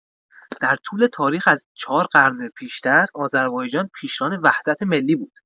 در طول تاریخ از ۴ قرن پیش‌تر آذربایجان پیشران وحدت ملی بود.